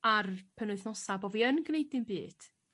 a'r penwythnosa bo fi yn gneud dim byd.